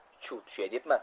chuv tushay debman